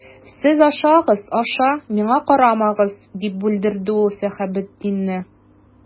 Сез ашагыз, аша, миңа карамагыз,— дип бүлдерде ул Сәхәбетдинне.